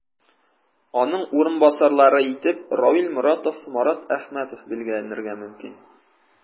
Аның урынбасарлары итеп Равил Моратов, Марат Әхмәтов билгеләнергә мөмкин.